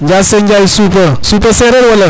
Njase Njaay Supa Supa seareer wala